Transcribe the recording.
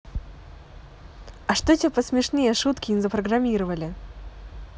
а что тебе посмешнее шутки не запрограммировали